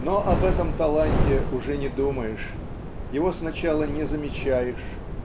Но об этом таланте уже не думаешь его сначала не замечаешь